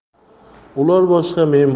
ular boshqa men